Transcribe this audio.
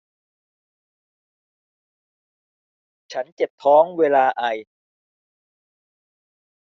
ฉันเจ็บท้องเวลาไอ